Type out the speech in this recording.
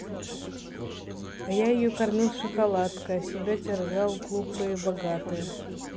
а я ее кормил шоколадкой а себя терзал глупые богатые